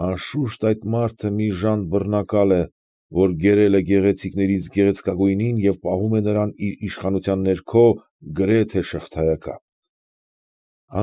Անշուշտ այդ մարդը մի ժանտ բռնակալ է, որ գերել է գեղեցիկներից գեղեցկագույնին և պահում է նրան իր իշխանության ներքո գրեթե շղթայակապ։